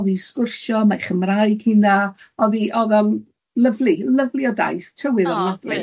oddi'n sgwrsho, ma'i Chymraeg hi'n dda, o'dd 'i o'dd o'n lyfli, lyfli o daith, tywydd ofnawdy.